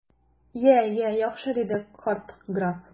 Я, я, яхшы! - диде карт граф.